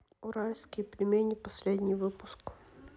уральские пельмени последний выпуск